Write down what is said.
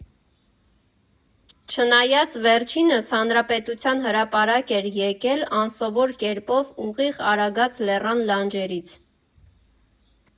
Չնայած, վերջինս Հանրապետության հրապարակ էր եկել անսովոր կերպով՝ ուղիղ Արագած լեռան լանջերից։